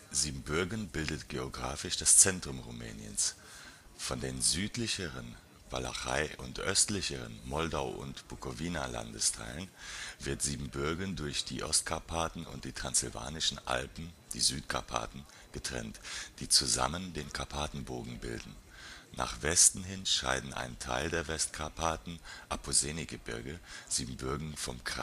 Siebenbürgen bildet geografisch das Zentrum Rumäniens. Von den südlicheren (Walachei) und östlicheren (Moldau und Bukowina) Landesteilen wird Siebenbürgen durch die Ostkarpaten und die Transsilvanischen Alpen (Südkarpaten) getrennt, die zusammen den Karpatenbogen bilden. Nach Westen hin scheiden ein Teil der Westkarpaten (Apuseni-Gebirge) Siebenbürgen vom Kreischgebiet ab. Die